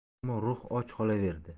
ammo ruh och qolaverdi